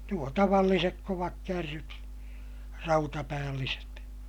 nuo tavalliset kovakärryt rautapäälliset